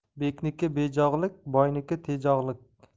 bekniki bejog'lik boyniki tejog'lik